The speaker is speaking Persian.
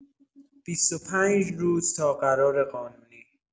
۲۵ روز تا قرار قانونی